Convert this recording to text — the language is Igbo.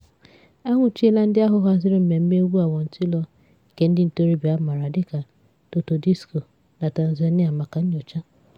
A nwụchiela ndị ahụ haziri mmemme egwu awantịrọ nke ndị ntorobịa a maara dịka 'Toto disco' na Tanzania maka nnyocha.